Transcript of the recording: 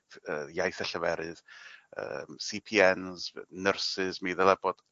Ffi- yy iaith a lleferydd yym See Pee Ens fe- nyrsys mi ddyle fod